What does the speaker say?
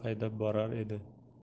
haydab borar edi